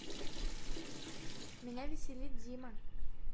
меня веселит дима